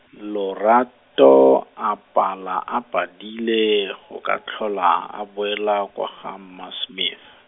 Lorato a pala a padile go ka tlhola a boela kwa ga mma- Smith.